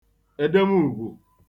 èdemùgwù